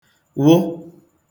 wụ